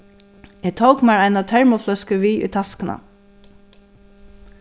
eg tók mær eina termofløsku við í taskuna